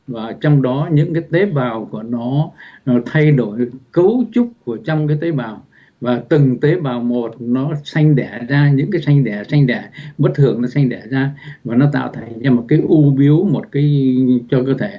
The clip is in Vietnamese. và trong đó những cái tế bào của nó nó thay đổi cấu trúc của trong cái tế bào và từng tế bào một nó sanh đẻ ra những cái sanh đẻ sanh đẻ bất thường nó sanh đẻ ra mà nó tạo ra một cái u bướu một cái cho cơ thể